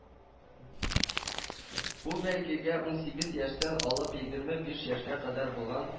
Бу бәйгегә унсигез яшьтән алып егерме биш яшькә кадәр булган